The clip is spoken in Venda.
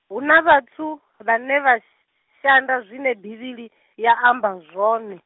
huna vhathu, vhane vha sh-, shanda zwine Bivhili, ya amba zwone.